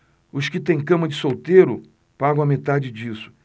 os que têm cama de solteiro pagam a metade disso